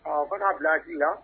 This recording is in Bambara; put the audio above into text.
Ɔ fana'a bila ci la